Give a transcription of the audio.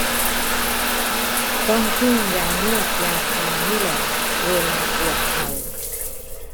ต้องพึ่งยานวดยาทานี่แหละเวลาปวดเข่า